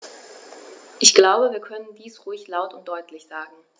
Ich glaube, wir können dies ruhig laut und deutlich sagen.